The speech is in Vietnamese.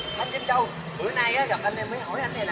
anh vinh dâu bữa nay á gặp anh em mới hỏi anh cái